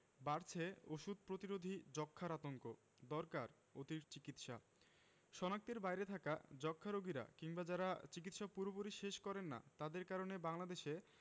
বাড়ছে ওষুধ প্রতিরোধী যক্ষ্মার আতঙ্ক দরকার অতিরিক্ত চিকিৎসা শনাক্তের বাইরে থাকা যক্ষ্মা রোগীরা কিংবা যারা চিকিৎসা পুরোপুরি শেষ করেন না তাদের কারণে বাংলাদেশে